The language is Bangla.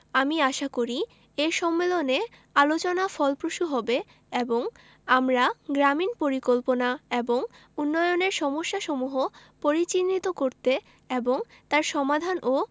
আমি আশা করি এ সম্মেলনে আলোচনা ফলপ্রসূ হবে এবং আমরা গ্রামীন পরিকল্পনা এবং উন্নয়নের সমস্যাসমূহ পরিচিহ্নিত করতে এবং তার সমাধান ও